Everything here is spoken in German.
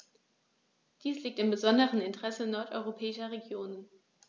Dies liegt im besonderen Interesse nordeuropäischer Regionen.